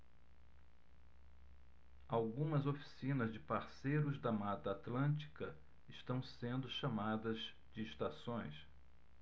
algumas oficinas de parceiros da mata atlântica estão sendo chamadas de estações